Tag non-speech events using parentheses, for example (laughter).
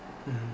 (hesitation) (hesitation)